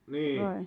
niin